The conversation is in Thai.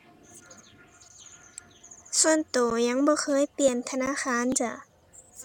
ส่วนตัวยังบ่เคยเปลี่ยนธนาคารจ้ะ